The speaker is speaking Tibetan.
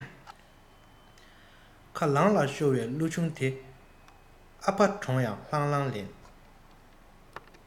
ཁ ལངས ལ ཤོར བའི གླུ ཆུང དེ ཕ ཨ ཕ གྲོངས ཡང ལྷང ལྷང ལེན